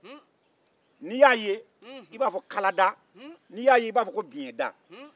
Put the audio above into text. n'i y'a ye i b'a fɔ kalada i b'a fɔ ko biyɛnda